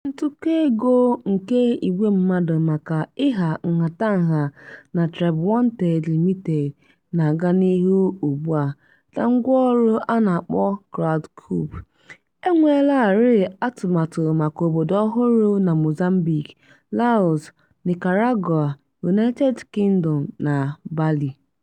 Ntụkọ-ego nke igwe mmadụ maka ịha nhatanha na TribeWanted Ltd na-aga n'ihu ugbua na ngwa ọhụrụ a na-akpọ Crowdcube, enweelarịị atụmatụ maka obodo ọhụrụ na Mozambique, Laos, Nicaragua, United Kingdom na Bali.